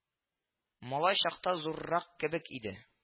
Малай чакта зуррак кебек иде